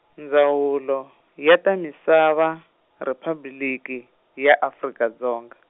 Ndzawulo, ya ta Misava, Riphabliki, ya Afrika Dzonga.